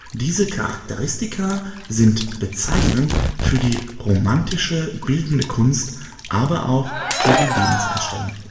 Diese Charakteristika sind bezeichnend für die romantische bildende Kunst aber auch Lebenseinstellung